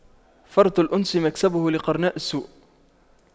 فرط الأنس مكسبة لقرناء السوء